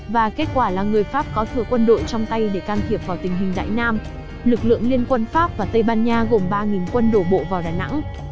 và kết quả là người pháp có thừa quân đội trong tay để can thiệp vào tình hình đại nam lực lượng liên quân pháp và tây ban nha gồm quân đổ bộ vào đà nẵng